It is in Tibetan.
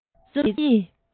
ཁྱོད ཀྱིས རྩོམ ཡིག